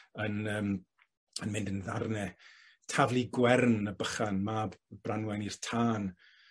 yn yym yn mynd yn ddarne. Taflu Gwern y bychan mab Branwen i'r tân,